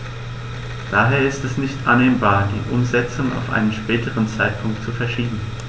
Daher ist es nicht annehmbar, die Umsetzung auf einen späteren Zeitpunkt zu verschieben.